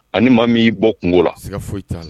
A maa mini bɔ kungo la se ka foyi i t'a la